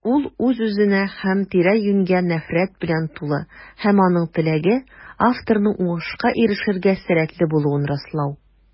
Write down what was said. Ул үз-үзенә һәм тирә-юньгә нәфрәт белән тулы - һәм аның теләге: авторның уңышка ирешергә сәләтле булуын раслау.